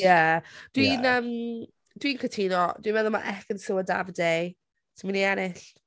Ie... Ie... Dwi'n yym, dwi'n cytuno, dwi'n meddwl ma' Ekin-Su a Davide sy'n mynd i ennill.